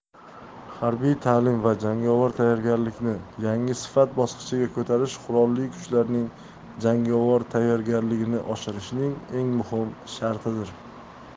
harbiy ta'lim va jangovar tayyorgarlikni yangi sifat bosqichiga ko'tarish qurolli kuchlarning jangovar tayyorgarligini oshirishning eng muhim shartidir